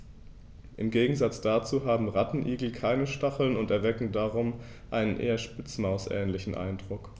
Im Gegensatz dazu haben Rattenigel keine Stacheln und erwecken darum einen eher Spitzmaus-ähnlichen Eindruck.